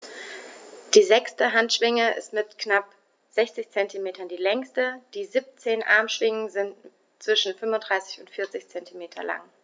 Die sechste Handschwinge ist mit knapp 60 cm die längste. Die 17 Armschwingen sind zwischen 35 und 40 cm lang.